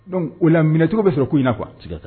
Donc o la minɛcogo bɛ sɔrɔ ko in na quoi